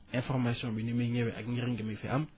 information bi ni muy ñëwee ak njëriñ ngi mi fi am